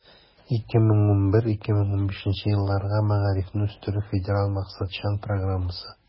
2011 - 2015 елларга мәгарифне үстерү федераль максатчан программасы.